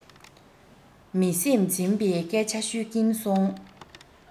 མི སེམས འཛིན པའི སྐད ཆ ཤོད ཀྱིན སོང